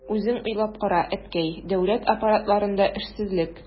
Үзең уйлап кара, әткәй, дәүләт аппаратларында эшсезлек...